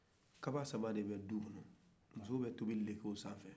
kaba saba te bɛ du kɔnɔ musow be tobili kɛ o de sanfɛ